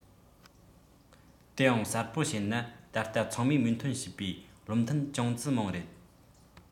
དེའང གསལ པོ བཤད ན ད ལྟ ཚང མས མོས མཐུན བྱས པའི བློ ཐུན ཅང ཙེ མིང རེད